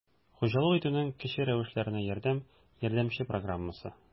«хуҗалык итүнең кече рәвешләренә ярдәм» ярдәмче программасы